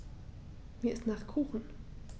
Mir ist nach Kuchen.